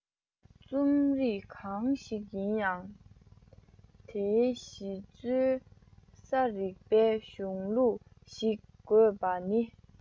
རྩོམ རིག གང ཞིག ཡིན ཡང དེའི གཞི བཅོལ ས རིག པའི གཞུང ལུགས ཤིག དགོས པ ནི